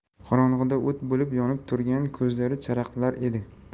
qorong'ida o't bo'lib yonib turgan ko'zlari charaqlar edi